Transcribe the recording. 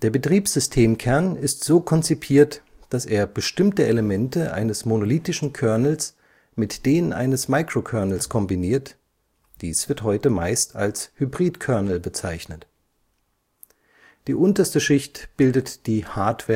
Betriebssystemkern ist so konzipiert, dass er bestimmte Elemente eines monolithischen Kernels mit denen eines Microkernels kombiniert; dies wird heute meist als Hybridkernel bezeichnet. Die unterste Schicht bildet die Hardwareabstraktionsschicht